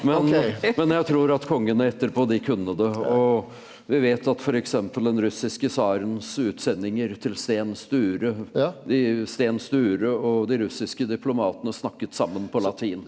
men men jeg tror at kongene etterpå de kunne det og vi vet at f.eks. den russiske tsarens utsendinger til Sten Sture i Sten Sture og de russiske diplomatene snakket sammen på latin.